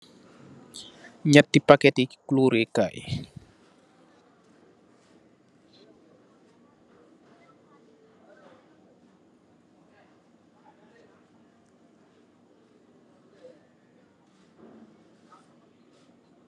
Ñetti paketti kuloreh Kai.